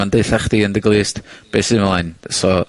ma'n detha chdi yn dy glust be' sydd ymlaen. So,